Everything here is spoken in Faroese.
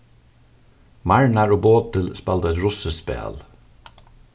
marnar og bodil spældu eitt russiskt spæl